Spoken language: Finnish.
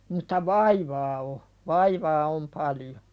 mutta vaivaa on vaivaa on paljon